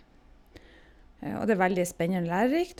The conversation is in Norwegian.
Og det er veldig spennede og lærerikt.